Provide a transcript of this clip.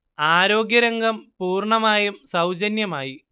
ആരോഗ്യരംഗം പൂർണ്ണമായും സൗജന്യമായി